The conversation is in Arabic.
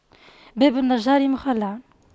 باب النجار مخَلَّع